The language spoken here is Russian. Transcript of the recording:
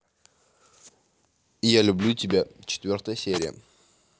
я тебя люблю четвертая серия